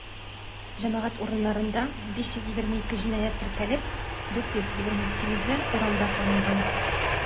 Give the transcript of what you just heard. Җәмәгать урыннарында 522 җинаять теркәлеп, 428-е урамда кылынган.